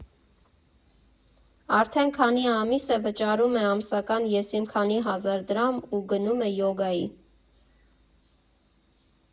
Արդեն քանի ամիս է՝ վճարում է ամսական եսիմ քանի հազար դրամ ու գնում է յոգայի։